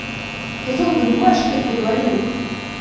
козел понимаешь что я тебе говорю